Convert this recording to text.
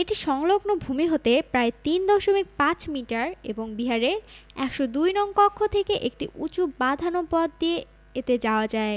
এটি সংলগ্ন ভূমি হতে প্রায় ৩ দশমিক ৫ মিটার এবং বিহারের ১০২ নং কক্ষ থেকে একটি উঁচু বাঁধানো পথ দিয়ে এতে যাওয়া যায়